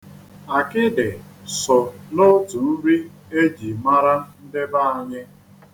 Akịdị so n'otu nri e ji mara ndị be anyị.